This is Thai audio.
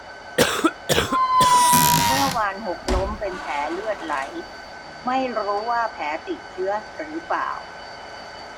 เมื่อวานหกล้มเป็นแผลเลือดไหลไม่รู้ว่าแผลติดเชื้อหรือเปล่า